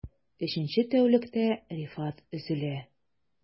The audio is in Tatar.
Өченче тәүлектә Рифат өзелә...